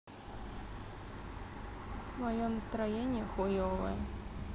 мое настроение хуевое